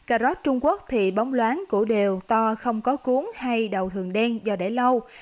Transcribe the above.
cà rốt trung quốc thì bóng loáng củ đều to không có cuống hay đầu thường đen do để lâu